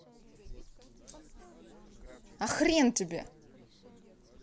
а хрен тебе